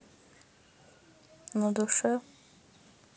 на душе